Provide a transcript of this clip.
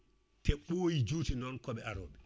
te ɓooyi juuti noon koɓe aroɓe